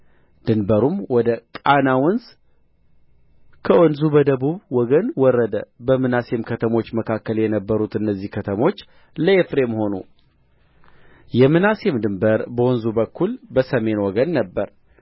ድንበሩም ወደ ቃና ወንዝ ከወንዙ በደቡብ ወገን ወረደ በምናሴም ከተሞች መካከል የነበሩት እነዚህ ከተሞች ለኤፍሬም ሆኑ የምናሴም ድንበር በወንዙ በኩል በሰሜን ወገን ነበረ